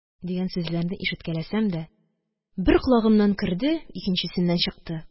Дигән сүзләрне ишеткәләсәм дә, бер колагымнан керде, икенчесеннән чыкты